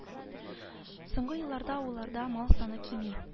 Соңгы елларда авылларда мал саны кими